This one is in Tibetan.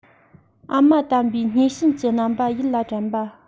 ཨ མ དམ པའི མཉེས གཤིན གྱི རྣམ པ ཡིད ལ དྲན པ